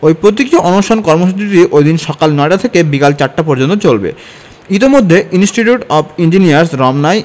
ওই প্রতীকী অনশন কর্মসূচিটি ওইদিন সকাল ৯টা থেকে বিকেল ৪টা পর্যন্ত চলবে ইতোমধ্যে ইন্সটিটিউট অব ইঞ্জিনিয়ার্স রমনায়